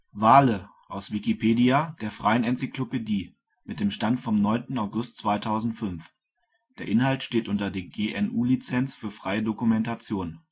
Wale, aus Wikipedia, der freien Enzyklopädie. Mit dem Stand vom Der Inhalt steht unter der Lizenz Creative Commons Attribution Share Alike 3 Punkt 0 Unported und unter der GNU Lizenz für freie Dokumentation